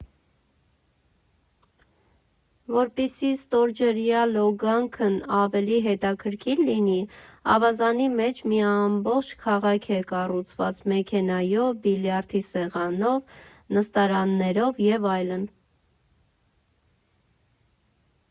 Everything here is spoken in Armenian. Որպեսզի ստորջրյա լոգանքն ավելի հետաքրքիր լինի, ավազանի մեջ մի ամբողջ քաղաք է կառուցված՝ մեքենայով, բիլիարդի սեղանով, նստարաններով և այլն։